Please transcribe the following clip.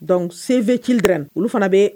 Donc Save the children olu fana bee